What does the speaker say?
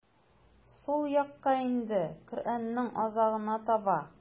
Сул якка инде, Коръәннең азагына таба.